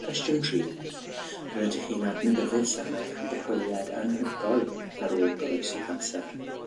Cwestiwn tri: rydych chi'n adnabyddus am eich dychweliad anhygoel ar ôl goroesi canser.